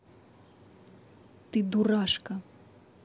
ты дурашка